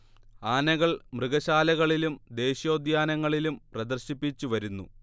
ആനകൾ മൃഗശാലകളിലും ദേശീയോദ്യാനങ്ങളിലും പ്രദർശിപ്പിച്ചുവരുന്നു